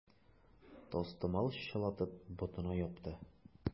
Тастымал чылатып, ботына япты.